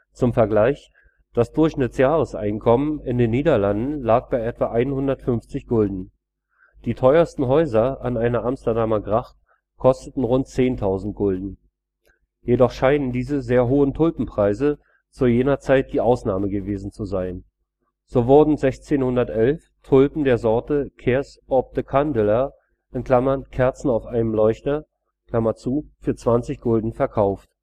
Zum Vergleich: Das Durchschnittsjahreseinkommen in den Niederlanden lag bei etwa 150 Gulden, die teuersten Häuser an einer Amsterdamer Gracht kosteten rund 10.000 Gulden. Jedoch scheinen diese sehr hohen Tulpenpreise zu jener Zeit die Ausnahme gewesen zu sein. So wurden 1611 Tulpen der Sorte Cears op de Candlelaer (‚ Kerzen auf einem Leuchter ‘) für 20 Gulden verkauft